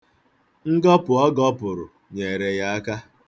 Ngọpụ ọ gọpụrụ nyeere ya aka.